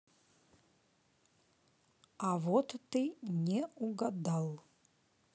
а вот ты не угадал